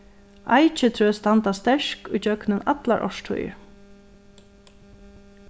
eikitrø standa sterk ígjøgnum allar árstíðir